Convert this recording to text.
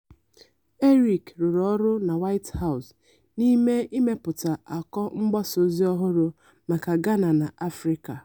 Erik rụrụ ọrụ na White House n'ime ịmepụta akọ mgbasa ozi ọhụrụ maka Gana na Afrịka.